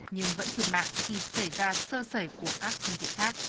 nhưng vẫn thiệt mạng khi xảy ra sơ sẩy của các phương tiện khác